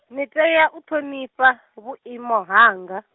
ni tea u ṱhonifha, vhuimo hanga.